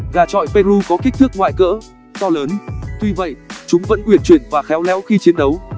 gà chọi peru có kích thước ngoại cỡ to lớn tuy vậy chúng vẫn uyển chuyển và khéo léo khi chiến đấu